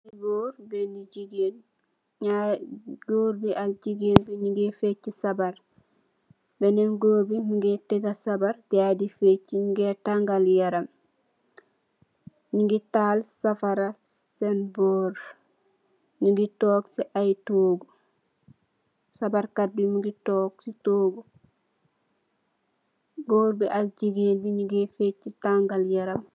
Gorr bi ak jigaan bi nyu gi feecha sabarr benen gorr bi mugi tekga sabarr gayi di feecha, nyu gi tangal yaram, nyu gi taal safari sen borr. Nyu tokh si ay toogu, sabarr kat mugi tokh si toogu, gorr bi ak jigaan bi nyu gi feecha.